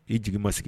I jigi ma sigi